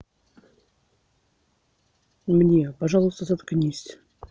мне пожалуйста заткните